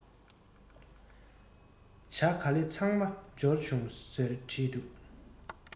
ཇ ག ལི ཚང མ འབྱོར བྱུང ཟེར བྲིས འདུག